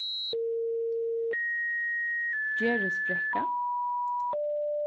gerðisbrekka